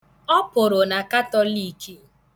Ọ pụrụ na katọliiki.